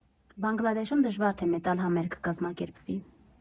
Բանգլադեշում դժվար թե մետալ համերգ կազմակերպվի։